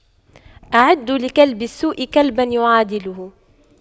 أعدّوا لكلب السوء كلبا يعادله